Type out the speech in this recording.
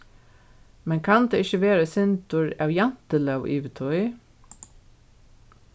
men kann tað ikki vera eitt sindur av jantelóg yvir tí